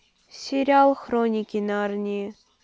сериал хроники нарнии